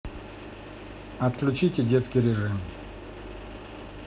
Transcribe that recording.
отключите детский режим